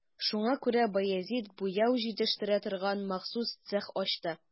Шуңа күрә Баязит буяу җитештерә торган махсус цех ачты.